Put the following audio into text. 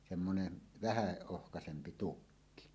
semmoinen vähän ohuempi tukki